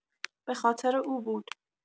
به‌خاطر او بود.